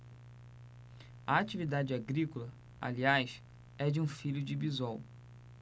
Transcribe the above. a atividade agrícola aliás é de um filho de bisol